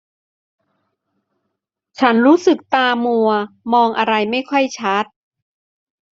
ฉันรู้สึกตามัวมองอะไรไม่ค่อยชัด